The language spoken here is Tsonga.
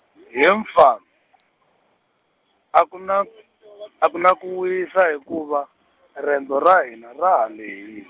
he mfana , a ku na , a ku na ku wisa hikuva, rendzo ra hina ra ha lehil-.